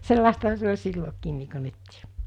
sellaistahan se oli silloinkin niin kuin nytkin